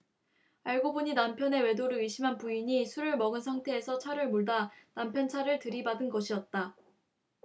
알고 보니 남편의 외도를 의심한 부인이 술을 먹은 상태에서 차를 몰다 남편 차를 들이받은 것이었다